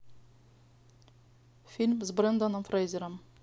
фильм с бренданом фрейзером